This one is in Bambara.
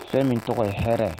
Fɛn min tɔgɔ ye hɛrɛ.